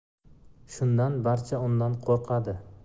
shundan barcha undan qurqadi